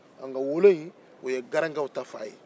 nka golo in o ye garankew ka fan ye